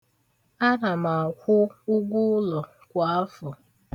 Ana m akwụ ụgwọ ụlọ kwa afọ.